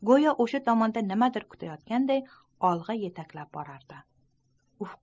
go'yo o'sha tomonda nimadir kutayotganday olg'a yetaklab borar edi